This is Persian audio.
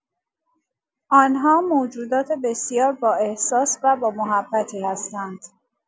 آن‌ها موجودات بسیار بااحساس و بامحبتی هستند.